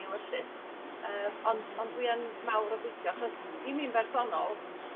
'u ewyllys. Yy ond ond dwi yn mawr obeithio achos i mi yn bersonol